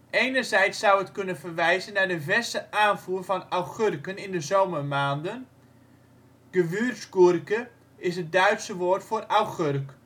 Enerzijds zou het kunnen verwijzen naar de verse aanvoer van augurken in de zomermaanden (Gewürzgurke is het Duitse woord voor " augurk